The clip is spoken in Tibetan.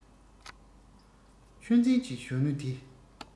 ཆུ འཛིན གྱི གཞོན ནུ དེ